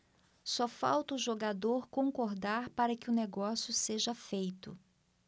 só falta o jogador concordar para que o negócio seja feito